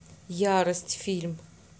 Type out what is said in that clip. ярость фильм